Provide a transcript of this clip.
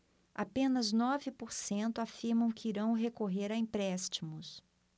apenas nove por cento afirmam que vão recorrer a empréstimos